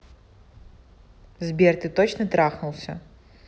сбер ты точно трахнулся